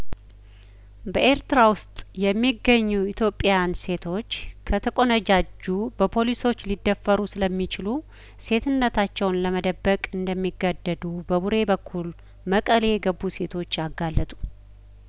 በኤርትራ ውስጥ የሚገኙ ኢትዮጵያን ሴቶች ከተቆነጃጁ በፖሊሶች ሊደፈሩ ስለሚችሉ ሴትነታቸውን ለመደበቅ እንደሚገደዱ በቡሬ በኩል መቀሌ የገቡ ሴቶች አጋለጡ